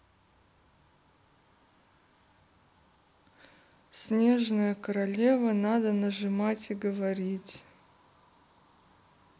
снежная королева надо нажимать и говорить